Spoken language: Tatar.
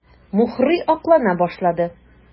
Мухрый аклана башлады.